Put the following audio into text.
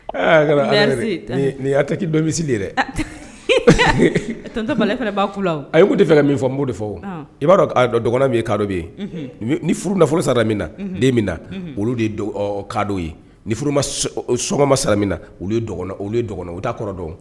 Nin' hakiliki dɔ misisiri dɛ a u de fana min fɔ n b' de fɛ i b'a dɔn dɔgɔnin min bɛ kadɔ bɛ yen ni furu nafolo sara min na den min na olu de kadɔ ye ni furu soma sara min olu olu dɔgɔn u' kɔrɔ dɔn